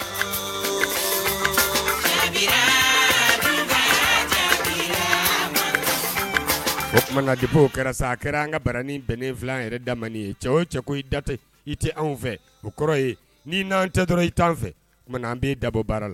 Baw kɛra a kɛra an ka bara ni bɛnnen fila yɛrɛ damani ye cɛ cɛ i da i tɛ anw fɛ o kɔrɔ ye n n'an cɛ dɔrɔn i t fɛ an bɛ dabɔ bara la